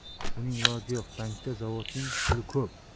buning iloji yo'q bankda zavodning puli ko'p